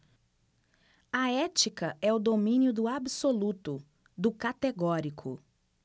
a ética é o domínio do absoluto do categórico